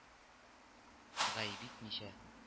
Гаеп итмичә